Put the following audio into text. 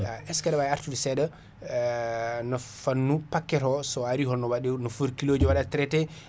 est, ce ,que aɗa wawi artude seɗa no fannu paquet to so ari holno wɗi holno footi kiloji o waɗata traité